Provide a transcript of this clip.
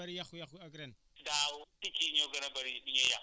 affaire bi baax na kon ci seetlu daal daaw moo gën a bëri yàqu-yàqu ak ren